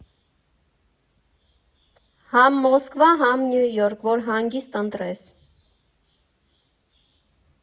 Համ Մոսկվա, համ Նյու Յորք, որ հանգիստ ընտրես։